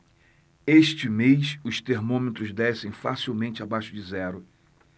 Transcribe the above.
este mês os termômetros descem facilmente abaixo de zero